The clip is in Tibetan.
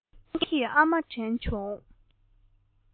ངས རང གི ཨ མ དྲན བྱུང